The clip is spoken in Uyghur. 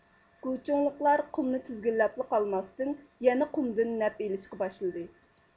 گۇچۇڭلۇقلار قۇمنى تىزگىنلەپلا قالماستىن يەنە قۇمدىن نەپ ئېلىشقا باشلىدى